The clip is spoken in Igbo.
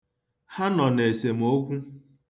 Ha nọ n'esemokwu.